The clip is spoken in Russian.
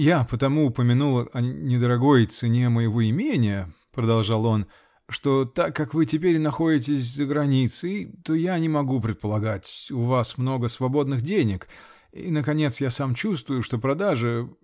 -- Я потому упомянул о недорогой цене моего имения, -- продолжал он, -- что так как вы теперь находитесь за границей, то я не могу предполагать у вас много свободных денег и, наконец, я сам чувствую, что продажа.